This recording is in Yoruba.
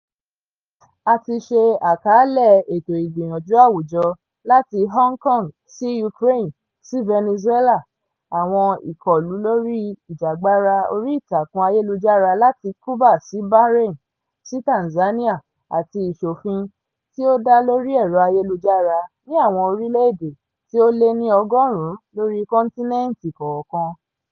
A ti ṣe àkàálẹ̀ ẹ̀tọ́ ìgbìyànjú àwùjọ láti Hong Kong sí Ukraine SÍ Venezuela, àwọn ìkọlù lórí ìjìjàgbara orí ìtàkùn ayélujára láti Cuba sí Bahrain sí Tanzania, àti ìṣòfin tí ó dá lórí ẹ̀rọ ayélujára ní àwọn orílẹ̀ èdè tí ó lé ní ọgọ́rùn-ún lórí kọ́ńtínẹ́ńtì kọ̀ọ̀kan.